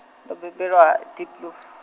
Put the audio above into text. ndo bebelwa Diepkloof.